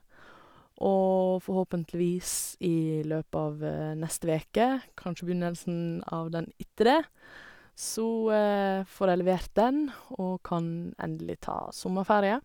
Og forhåpentligvis i løpet av neste veke, kanskje begynnelsen av den etter det, så får jeg levert den og kan endelig ta sommerferie.